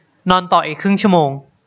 นอนต่ออีกครึ่งชั่วโมง